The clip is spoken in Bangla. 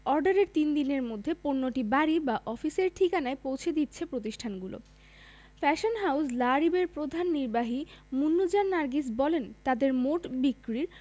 অর্ডারের তিন দিনের মধ্যে পণ্যটি বাড়ি বা অফিসের ঠিকানায় পৌঁছে দিচ্ছে প্রতিষ্ঠানগুলো ফ্যাশন হাউস লা রিবের প্রধান নির্বাহী মুন্নুজান নার্গিস বললেন তাঁদের মোট বিক্রির